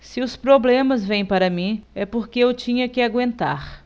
se os problemas vêm para mim é porque eu tinha que aguentar